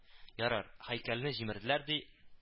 Ярар, һәйкәлне җимерделәр ди